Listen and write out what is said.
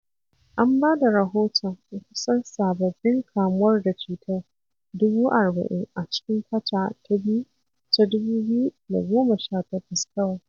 An ba da rahoton kusan sababbin kamuwar da cutar 40,000 a cikin kwata ta biyu ta 2018 kawai.